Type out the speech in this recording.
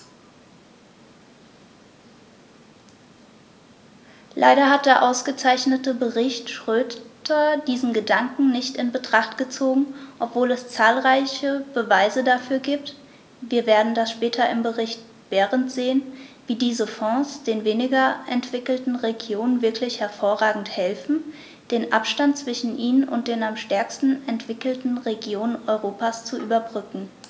Leider hat der ausgezeichnete Bericht Schroedter diesen Gedanken nicht in Betracht gezogen, obwohl es zahlreiche Beweise dafür gibt - wir werden das später im Bericht Berend sehen -, wie diese Fonds den weniger entwickelten Regionen wirklich hervorragend helfen, den Abstand zwischen ihnen und den am stärksten entwickelten Regionen Europas zu überbrücken.